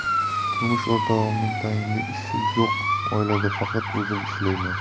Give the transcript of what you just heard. turmush o'rtog'imning tayinli ishi yo'q oilada faqat o'zim ishlayman